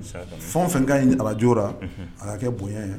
ça quand même fɛn o fɛn kaɲi ni Radio ra unhun a ka kɛ boɲa ye